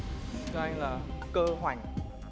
thưa anh là cơ hoành